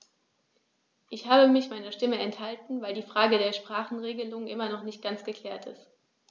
Ich habe mich meiner Stimme enthalten, weil die Frage der Sprachenregelung immer noch nicht ganz geklärt ist.